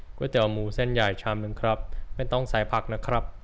ก๋วยเตี๋ยวหมูเส้นใหญ่ชามนึงครับไม่ต้องใส่ผักนะครับ